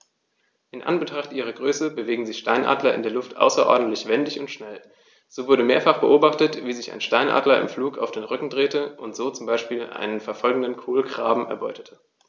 In Anbetracht ihrer Größe bewegen sich Steinadler in der Luft außerordentlich wendig und schnell, so wurde mehrfach beobachtet, wie sich ein Steinadler im Flug auf den Rücken drehte und so zum Beispiel einen verfolgenden Kolkraben erbeutete.